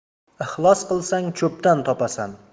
ixlos qilsang cho'pdan topasan